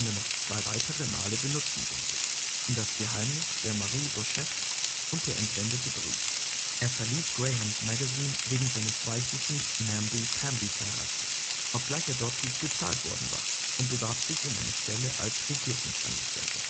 noch zwei weitere Male benutzen sollte (in Das Geheimnis der Marie Rogêt und in Der entwendete Brief). Er verließ Graham’ s Magazine wegen seines weichlichen („ namby-pamby “) Charakters, obgleich er dort gut bezahlt worden war, und bewarb sich um eine Stelle als Regierungsangestellter